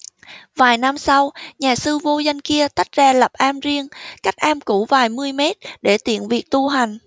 vài năm sau nhà sư vô danh kia tách ra lập am riêng cách am cũ vài mươi mét để tiện việc tu hành